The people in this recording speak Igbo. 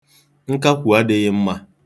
Nkakwu adịghị mma.